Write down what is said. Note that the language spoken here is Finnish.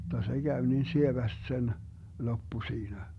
jotta se kävi niin sievästi sen loppu siinä